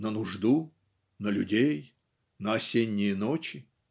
на нужду, на людей, на осенние ночи?"